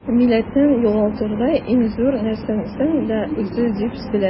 Милләтнең югалтырдай иң зур нәрсәсен дә үзе дип белә.